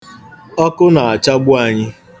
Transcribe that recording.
Ọkụ na-achagbu anyị.